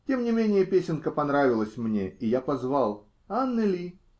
Тем не менее песенка понравилась мне, и я позвал: -- Аннели!